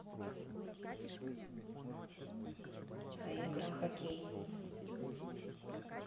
а игра хоккей